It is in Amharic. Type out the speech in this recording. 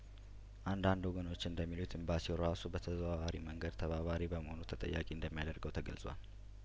አንዳንድ ወገኖች እንደሚሉት ኤምባሲው ራሱ በተዘዋዋሪ መንገድ ተባባሪ በመሆኑ ተጠያቂ እንደሚያደርገው ተገልጿል